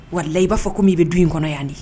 Wari la i b' fɔ ko' i bɛ du in kɔnɔ yan di